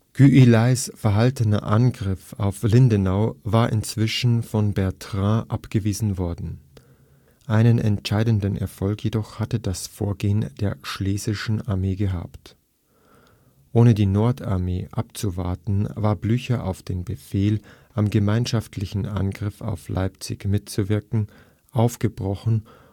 Gyulays verhaltener Angriff auf Lindenau war inzwischen von Bertrand abgewiesen worden. Einen entscheidenden Erfolg jedoch hatte das Vorgehen der Schlesischen Armee gehabt. Ohne die Nordarmee abzuwarten, war Blücher auf den Befehl, am gemeinschaftlichen Angriff auf Leipzig mitzuwirken, aufgebrochen